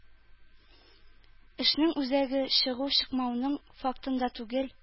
Эшнең үзәге чыгу-чыкмауның фактында түгел.